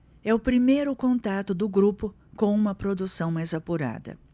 é o primeiro contato do grupo com uma produção mais apurada